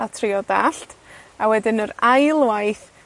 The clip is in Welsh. A trio dallt. A wedyn yr ail waith,